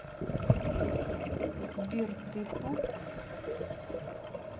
сбер ты тут